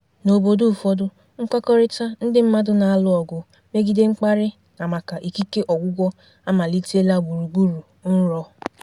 N'obodo ụfọdụ, mkpakọrịta ndị mmadụ na-alụ ọgụ megide mkparị na maka ikike ọgwụgwọ amalitela gburugburu NRỌ.